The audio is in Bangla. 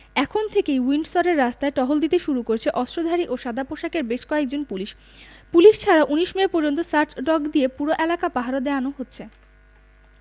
এখন থেকেই উইন্ডসরের রাস্তায় টহল দিতে শুরু করেছে অস্ত্রধারী ও সাদাপোশাকের বেশ কয়েকজন পুলিশ পুলিশ ছাড়াও ১৯ মে পর্যন্ত সার্চ ডগ দিয়ে পুরো এলাকা পাহারা দেওয়ানো হচ্ছে